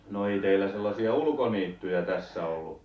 no ei teillä sellaisia ulkoniittyjä tässä ollut